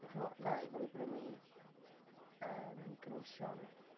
Chimod na i fel i brynu yym cynhwysion...